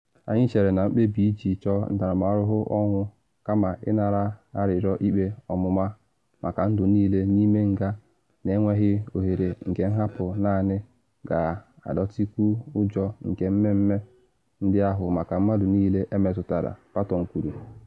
“Anyị chere na mkpebi iji chọọ ntaramahụhụ ọnwụ kama ịnara arịrịọ ikpe ọmụma maka ndụ niile n’ime nga na enweghị ohere nke nhapụ naanị ga-adọtịkwu ụjọ nke mmemme ndị ahụ maka mmadụ niile emetụtara,” Patton kwuru.